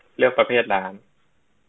เลือกประเภทร้าน